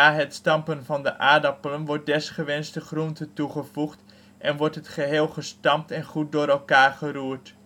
het stampen van de aardappelen wordt desgevallend de groente toegevoegd en wordt het geheel gestampt en goed door elkaar geroerd